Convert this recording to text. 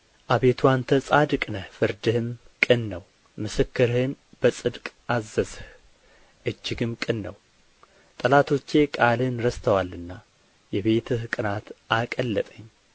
አቤቱ አንተ ጻድቅ ነህ ፍርድህም ቅን ነው ምስክርህን በጽድቅ አዘዝህ እጅግም ቅን ነው ጠላቶቼ ቃልህን ረስተዋልና የቤትህ ቅንዓት አቀለጠኝ